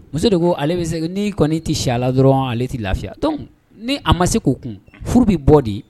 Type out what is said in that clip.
Muso de ko ale bɛ ni kɔni tɛ sila dɔrɔn ale tɛ lafiya dɔn ni a ma se k' kun furu bɛ bɔ de